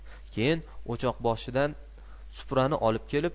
keyin o'choqboshidan suprani olib kelib